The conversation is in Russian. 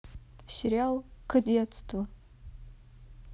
сериал кадетство